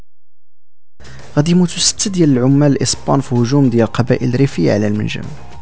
قديم وتسجيل للعمال اسباب وجود يا غبي ادري في المنشاه